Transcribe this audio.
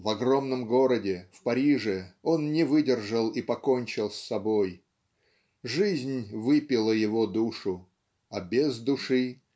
В огромном городе, в Париже, он не выдержал и покончил с собой. Жизнь выпила его душу а без души